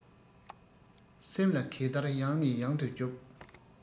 སེམས ལ གད བདར ཡང ནས ཡང དུ རྒྱོབ